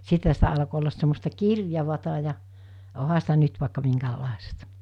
sittenhän sitä alkoi olla semmoista kirjavaa ja onhan sitä nyt vaikka minkälaista